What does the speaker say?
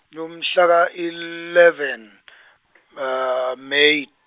lomhlaka- eleven May.